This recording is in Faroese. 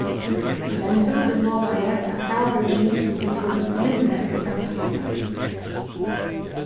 men fútin lovaði at avbyrging skuldi brúkast minni í framtíðini